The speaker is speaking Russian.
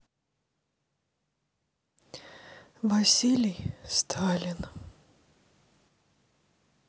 василий сталин